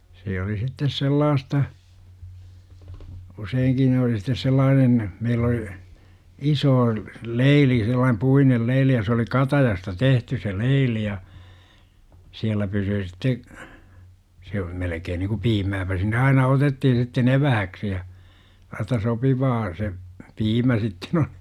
se oli sitten sellaista useinkin oli sitten sellainen meillä oli iso leili sellainen puinen leili ja se oli katajasta tehty se leili ja siellä pysyi sitten se melkein niin kuin piimääpä sinne aina otettiin sitten evääksi ja sellaista sopivaa se piimä sitten oli